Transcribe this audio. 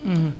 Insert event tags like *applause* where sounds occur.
*hesitation* *hesitation*